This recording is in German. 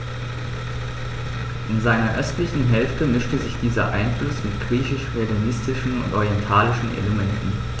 In seiner östlichen Hälfte mischte sich dieser Einfluss mit griechisch-hellenistischen und orientalischen Elementen.